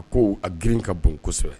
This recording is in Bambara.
A ko a grin ka bon kosɛbɛ